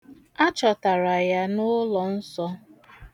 A chọtara ya n'ụlọ nsọ.